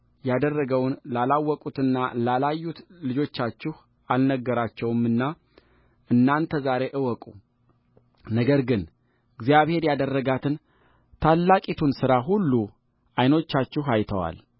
ያደረገውን ላላወቁትና ላላዩት ልጆቻችሁ አልነግራቸውምና እናንተ ዛሬ እወቁነገር ግን እግዚአብሔር ያደረጋትን ታላቂቱን ሥራ ሁሉ ዓይኖቻችሁ አይተዋል